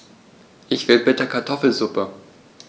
Ich will bitte Kartoffelsuppe.